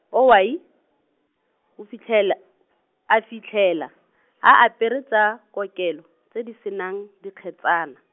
owai, o fitlhela, a fitlhela, a apere tsa, kokelo, tse di se nang, dikgetsana.